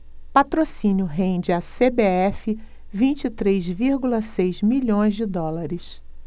patrocínio rende à cbf vinte e três vírgula seis milhões de dólares